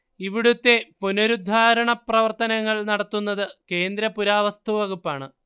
ഇവിടുത്തെ പുനരുദ്ധാരണ പ്രവർത്തനങ്ങൾ നടത്തുന്നത് കേന്ദ്ര പുരാവസ്തുവകുപ്പാണ്